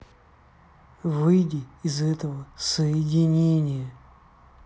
выйди из этого соединения